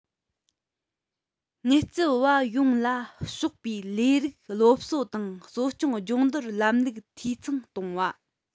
ངལ རྩོལ པ ཡོངས ལ ཕྱོགས པའི ལས རིགས སློབ གསོ དང གསོ སྐྱོང སྦྱོང བརྡར ལམ ལུགས འཐུས ཚང གཏོང བ